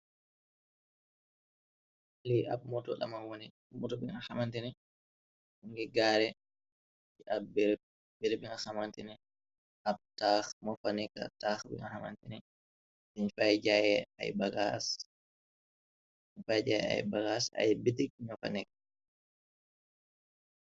Lii ay moto lamma waneh, moto binga xamantini mu ngi gaare ci ay berëb, berëb bi nga xamantini ay taax mo fa nika. Taax binga xamantini nyung fay jaaye ay bagaas ay bitik ño fa nek.